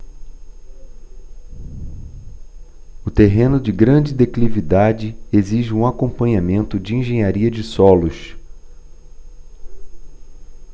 o terreno de grande declividade exige um acompanhamento de engenharia de solos